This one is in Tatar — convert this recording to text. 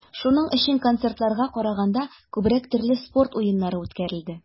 Шуның өчен, концертларга караганда, күбрәк төрле спорт уеннары үткәрелде.